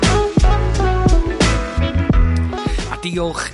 A diolch